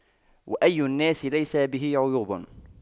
وأي الناس ليس به عيوب